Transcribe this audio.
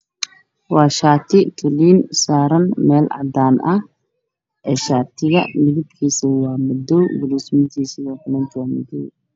Waaa shaati dolinn ah shaati midibkisa waa madow